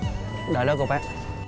đợi đó cô bé